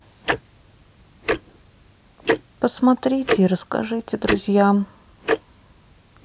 посмотрите и расскажите друзьям